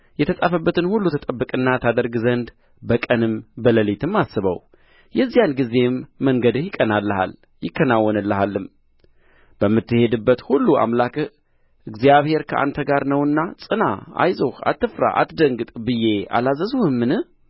የተጻፈበትን ሁሉ ትጠብቅና ታደርግ ዘንድ በቀንም በሌሊትም አስበው የዚያን ጊዜም መንገድህ ይቀናልሃል ይከናወንልሃልም በምትሄድበት ሁሉ አምላክህ እግዚአብሔር ከአንተ ጋር ነውና ጽና አይዞህ አትፍራ አትደንግጥ ብዬ አላዘዝሁህምን